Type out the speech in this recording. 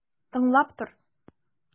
Тыңлап тор!